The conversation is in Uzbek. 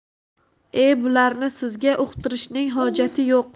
e bularni sizga uqtirishning hojati yo'q